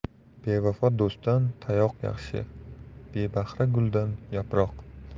bevafo do'stdan tayoq yaxshi bebahra guldan yaproq